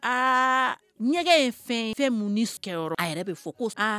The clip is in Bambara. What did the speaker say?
Aa ɲɛ ye fɛn fɛn mun sigiyɔrɔ a yɛrɛ bɛ fɔ ko